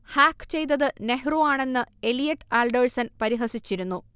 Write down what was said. hack ചെയ്തത് നെഹ്റു ആണെന്ന് Elliot Alderson പരിഹസിച്ചിരുന്നു